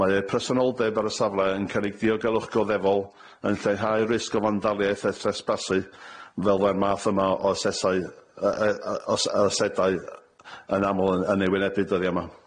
Mae eu presenoldeb ar y safle yn cynnig diogelwch goddefol, yn lleihau risg o fandaliaeth a thresbasu, fel fyddai'r math yma o asesau yy yy o os- o asedau y- yn aml yn yn ei wynebu dyddie yma.